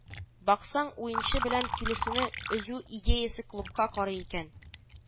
Баксаң, уенчы белән килешүне өзү идеясе клубка карый икән